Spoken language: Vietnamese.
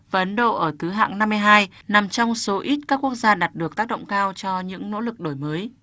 và ấn độ ở thứ hạng năm mươi hai nằm trong số ít các quốc gia đạt được tác động cao cho những nỗ lực đổi mới